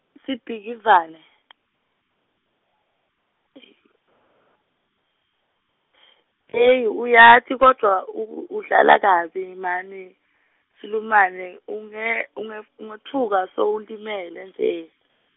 Sibhikivane , eyi , eyi uyati kodvwa ugu- udlala kabi, mani, sulumane unge- ungef- ungetfuka, sowulimele nje.